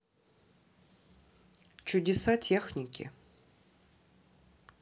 чудеса техники